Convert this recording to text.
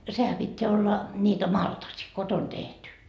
sehän pitää olla niitä maltasia kotona tehty